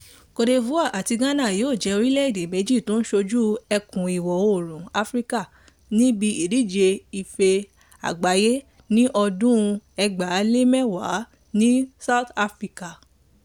Côte d'Ivoire àti Ghana yóò jẹ́ orílẹ̀-èdè méjì tí ó ń ṣojú ẹkùn Ìwọ̀-oòrùn Áfíríkà níbi ìdíje Ife Àgbáyé ti ọdún 2010 ní South Africa.